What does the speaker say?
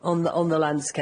on the- on the landscape.